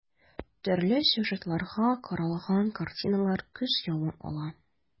Төрле сюжетларга корылган картиналар күз явын ала.